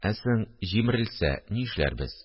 Ә соң җимерелсә ни эшләрбез